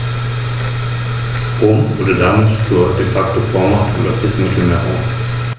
Karthago verlor alle außerafrikanischen Besitzungen und seine Flotte.